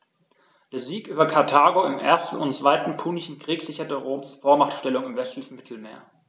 Der Sieg über Karthago im 1. und 2. Punischen Krieg sicherte Roms Vormachtstellung im westlichen Mittelmeer.